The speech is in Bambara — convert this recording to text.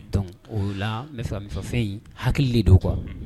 Donc o la n b’a fɛ ka min fɔ, fɛn in hakili de don quoi